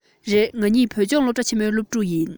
རེད ང གཉིས བོད ལྗོངས སློབ གྲ ཆེན མོའི སློབ ཕྲུག ཡིན